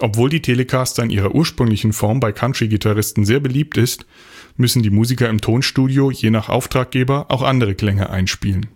Obwohl die Telecaster in ihrer ursprünglichen Form bei Country-Gitarristen sehr beliebt ist, müssen die Musiker im Tonstudio je nach Auftraggeber auch andere Klänge einspielen.